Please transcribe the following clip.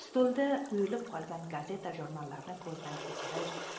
stolda uyilib qolgan gazeta jurnallarni ko'zdan kechirish